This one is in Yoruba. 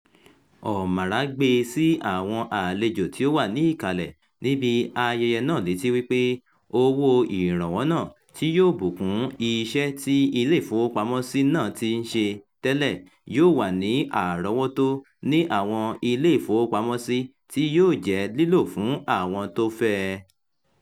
Omarah gbé e sí àwọn àlejò tí ó wà níkàlẹ̀ níbi ayẹyẹ náà létí wípé owó ìrànwọ́ náà, tí yóò bù kún iṣẹ́ tí Ilé-ìfowópamọ́sí náà ti ń ṣe tẹ́lẹ̀, yóò wà ní àrọ̀wọ́tó ní àwọn Ilé-ìfowópamọ́sí, tí yóò jẹ́ lílò fún àwọn tí ó fẹ́ ẹ.